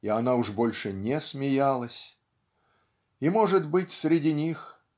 и она уж больше не смеялась. И может быть среди них